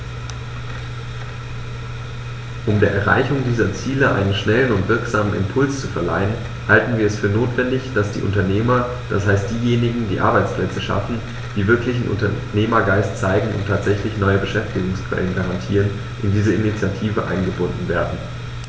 Um der Erreichung dieser Ziele einen schnellen und wirksamen Impuls zu verleihen, halten wir es für notwendig, dass die Unternehmer, das heißt diejenigen, die Arbeitsplätze schaffen, die wirklichen Unternehmergeist zeigen und tatsächlich neue Beschäftigungsquellen garantieren, in diese Initiative eingebunden werden.